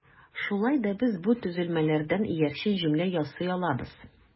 Шулай да без бу төзелмәләрдән иярчен җөмлә ясый алабыз.